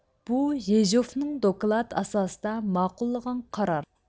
بۇ يېژوفنىڭ دوكلاتى ئاساسىدا ماقۇللىغان قارار